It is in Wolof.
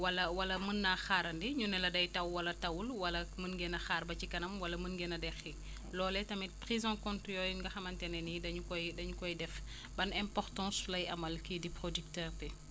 wala wala mën naa xaarandi ñu ne la day taw wala tawul wala mën ngeen a xaar ba ci kanam wala mën ngen a deqi loolee tamit prise en compte yooyu nga xamante ne ni dañu koy dañu koy def ban importance lay amal kii di producteur bi